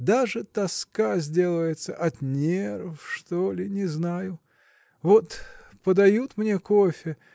даже тоска сделается; от нерв, что ли, – не знаю. Вот подают мне кофе